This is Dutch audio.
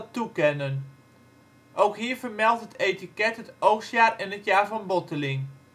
toekennen. Ook hier vermeldt het etiket het oogstjaar en het jaar van botteling